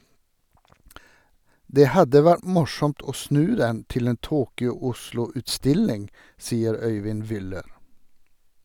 Det hadde vært morsomt å snu den til en "Tokyo-Oslo-utstilling", sier Øyvind Wyller.